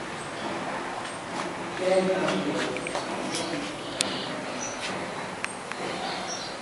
แจ้งตำรวจให้ฉันเมื่อมีใครเข้ามา